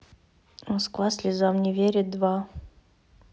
москва слезам не верит два